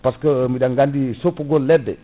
par ce biɗen gandi soppugol leɗɗe